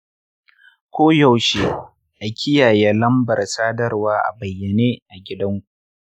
koyaushe a kiyaye lambar sadarwa a bayyane a gidanku.